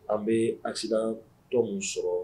An bɛ accident tɔ min sɔrɔ